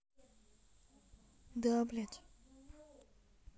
да блять